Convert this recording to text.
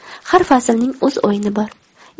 har faslning o'z o'yini bor